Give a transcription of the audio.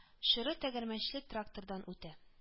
Чоры тәгәрмәчле тракторда үтә